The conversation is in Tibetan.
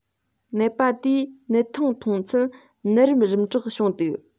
ནད པ དེས སྨན ཐང འཐུངས ཚུན ནད གཞི རིམ དྲག བྱུང འདུག